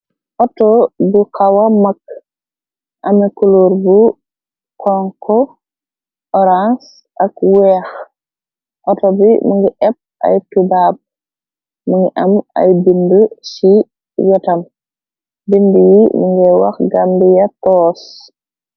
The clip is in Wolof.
Auto bu xawa mag amekulur bu xonko orance ak weex oto bi mënga épp ay tubaab mënga am ay bindi ci wetam bindi yi mingay wax gambia toos.